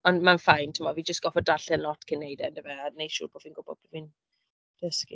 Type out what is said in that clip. Ond ma'n fine timod, fi jyst gorfod darllen lot cyn wneud e, ondife, a wneud siŵr bod fi'n gwybod be fi'n dysgu.